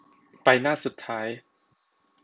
ไปหน้าสุดท้าย